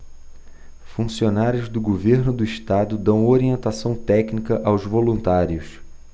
funcionários do governo do estado dão orientação técnica aos voluntários